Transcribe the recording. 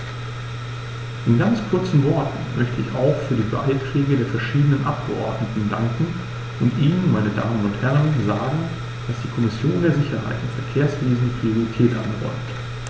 In ganz kurzen Worten möchte ich auch für die Beiträge der verschiedenen Abgeordneten danken und Ihnen, meine Damen und Herren, sagen, dass die Kommission der Sicherheit im Verkehrswesen Priorität einräumt.